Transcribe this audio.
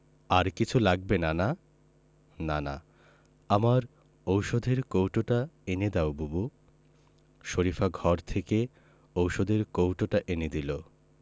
আর কিছু লাগবে নানা নানা আমার ঔষধের কৌটোটা এনে দাও বুবু শরিফা ঘর থেকে ঔষধের কৌটোটা এনে দিল